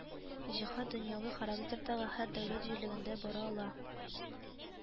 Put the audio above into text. Җиһад дөньяви характердагы һәр дәүләт җирлегендә бара ала